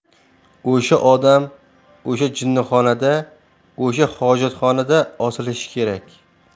o'sha odam o'sha jinnixonada o'sha hojatxonada osilishi kerak